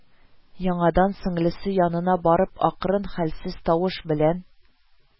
Яңадан сеңлесе янына барып акрын, хәлсез тавыш белән: